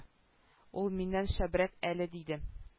Ул миннән шәбрәк әле диде